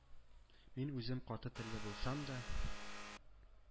Мин үзем каты телле булсам да,